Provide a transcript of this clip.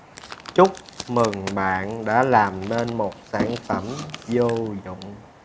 chúc mừng bạn đã làm nên một sản phẩm vô dụng